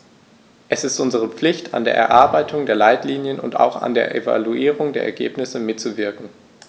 Es ist unsere Pflicht, an der Erarbeitung der Leitlinien und auch an der Evaluierung der Ergebnisse mitzuwirken.